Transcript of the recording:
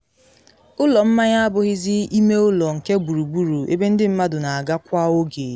“Ụlọ mmanya abụghịzị ime ụlọ nke gburugburu ebe ndị mmadụ na-aga kwa oge.”